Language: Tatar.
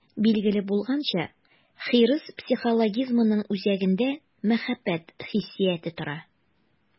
Билгеле булганча, хирыс психологизмының үзәгендә мәхәббәт хиссияте тора.